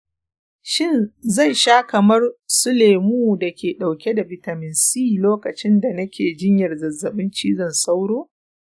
shin zan shan kamar su lemu da ke ɗauke da bitamin c lokacin da nake jinyar zazzabin cizon sauro